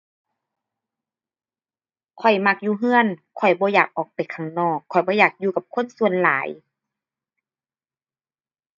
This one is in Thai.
ข้อยมักอยู่เรือน ข้อยบ่อยากออกไปข้างนอก ข้อยบ่อยากอยู่กับคนส่วนหลาย